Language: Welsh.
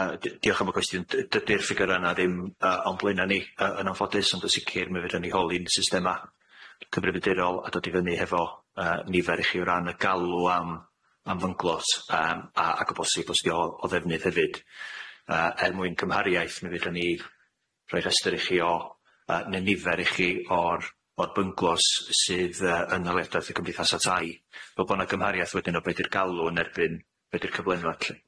Yy di- diolch am y cwestiwn dy- dydi'r ffigyra' yna ddim yy o'n blaena ni yy yn anffodus ond yn sicir mi fedrwn ni holi'n systema cyfrifiadurol a dod i fyny hefo yy nifer i chi o ran y galw am am fynglos yym a ag o bosib os 'di o o ddefnydd hefyd yy er mwyn cymhariaeth mi fedran ni rhoi rhestyr i chi o yy neu nifer i chi o'r o'r bynglos sydd yy yn haliadaeth y cymdeithas tai fel bo 'na gymhariath wedyn o be' di'r galw yn erbyn be' di'r cyflenwad lly.